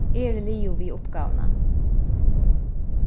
eg eri liðug við uppgávuna